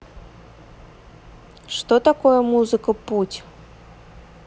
что такое музыка путь